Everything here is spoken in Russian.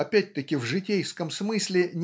опять-таки в житейском смысле